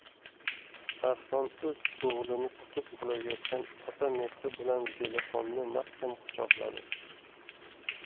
arslon o'z o'g'lini kutib olayotgan ota mehri bilan zelixonni mahkam quchoqladi